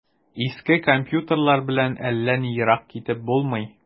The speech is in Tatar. Иске компьютерлар белән әллә ни ерак китеп булмый.